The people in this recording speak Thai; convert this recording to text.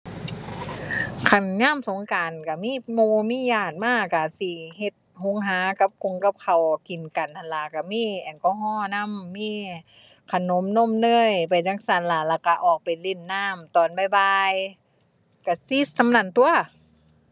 คันยามสงกรานต์ก็มีหมู่มีญาติมาก็สิเฮ็ด หุงหากับคงกับข้าวกินกันหั้นล่ะ ก็มีแอลกอฮอล์นำ มีขนมนมเนยไปจั่งซั้นล่ะ แล้วก็ออกไปเล่นน้ำตอนบ่ายบ่าย ก็สิส่ำนั้นตั่ว